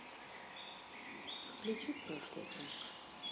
включи прошлый трек